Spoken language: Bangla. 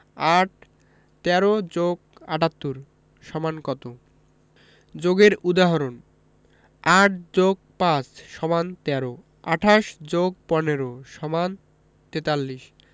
৮ ১৩ + ৭৮ = কত যোগের উদাহরণঃ ৮ + ৫ = ১৩ ২৮ + ১৫ = ৪৩